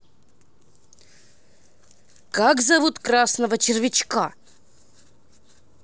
как зовут красного червячка